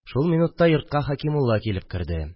Шул минутта йортка Хәкимулла килеп керде